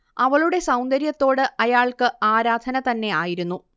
അവളുടെ സൗന്ദര്യത്തോട് അയാൾക്ക് ആരാധന തന്നെ ആയിരുന്നു